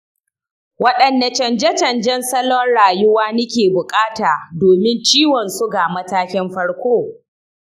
waɗanne canje-canjen salon-rayuwa nike buƙata domin ciwon suga matakin farko?